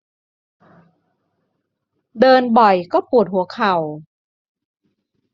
เดินบ่อยก็ปวดหัวเข่า